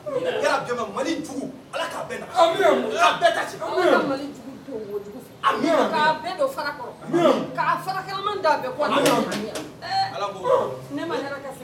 Don farakɔ fara da